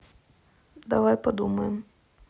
давай подумаем